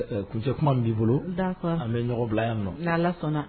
Kuncɛkuma b'i bolo da an bɛ ɲɔgɔn bila yan nɔ k'a la sɔnna